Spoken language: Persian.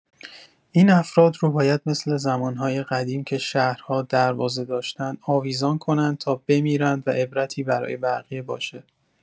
این افراد رو باید مثل زمان‌های قدیم که شهرها دروازه داشتند آویزان کنند تا بمیرند و عبرتی برای بقیه باشه.